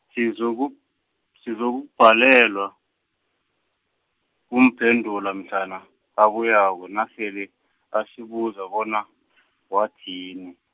sizokub- sizokubhalelwa, kumphendula mhlana, abuyako nasele, asibuza bona , wathini.